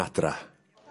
...adra.